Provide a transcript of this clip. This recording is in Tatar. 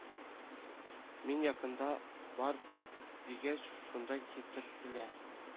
Мин якында бар дигәч шунда китерделәр